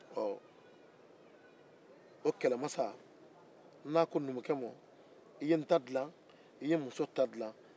kɛlɛmasa ko numukɛ ma i ye n ni n muso ta dila